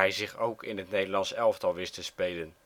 zich ook in het Nederlands elftal wist te spelen